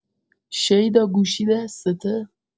شیدا گوشی دستته؟